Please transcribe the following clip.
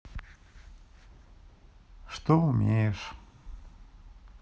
что умеешь